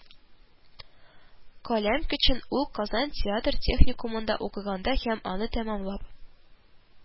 Каләм көчен ул казан театр техникумында укыганда һәм аны тәмамлап